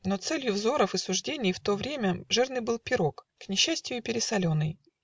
Но целью взоров и суждений В то время жирный был пирог (К несчастию, пересоленный)